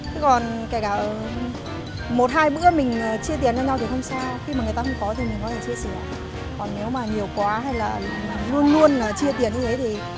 thế còn kể cả một hai bữa mình chi tiền cho nhau thì không sao khi mà người ta không có còn nếu mà nhiều quá hay là luôn luôn là chưa tiến cái ấy thì